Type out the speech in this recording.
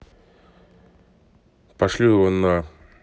пошлю его на